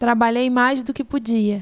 trabalhei mais do que podia